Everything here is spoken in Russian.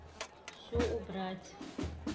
все убрать